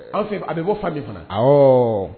Anw fɛ yen, a bɛ bɔ Fabe fana, awɔɔ.